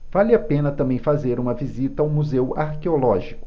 vale a pena também fazer uma visita ao museu arqueológico